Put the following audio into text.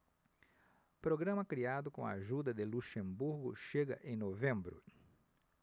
programa criado com a ajuda de luxemburgo chega em novembro